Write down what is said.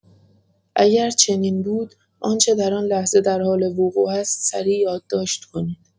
اگر چنین بود، آنچه در آن لحظه در حال وقوع است سریع یادداشت کنید.